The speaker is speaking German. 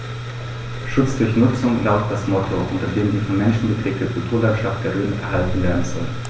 „Schutz durch Nutzung“ lautet das Motto, unter dem die vom Menschen geprägte Kulturlandschaft der Rhön erhalten werden soll.